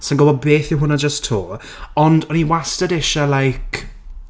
Sa i'n gwbod peth yw hwnna jyst 'to. Ond, o'n i wastad isie like...